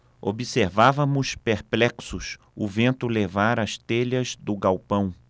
observávamos perplexos o vento levar as telhas do galpão